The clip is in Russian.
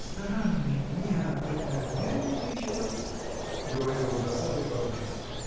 — Странный, необыкновенный ты человек! — говорила с досадой бабушка.